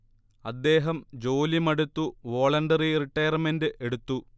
അദ്ദേഹം ജോലി മടുത്തു വോളണ്ടറി റിട്ടയർമെന്റ് എടുത്തു